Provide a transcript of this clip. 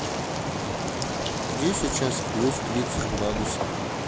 где сейчас плюс тридцать градусов